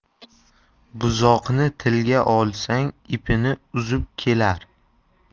buzoqni tilga olsang ipini uzib kelar